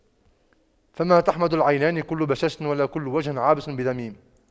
فما تحمد العينان كل بشاشة ولا كل وجه عابس بذميم